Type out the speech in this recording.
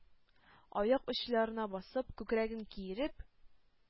Аяк очларына басып, күкрәген киереп,